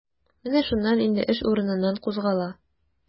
Менә шуннан инде эш урыныннан кузгала.